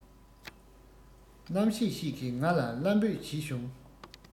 རྣམ ཤེས ཤིག གིས ང ལ བླ འབོད བྱེད བྱུང